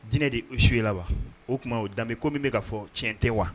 Diinɛ de u suy la wa o tuma danbe kɔmi min bɛ ka fɔ cɛn tiɲɛ tɛ wa